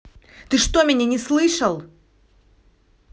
ты что меня не слышал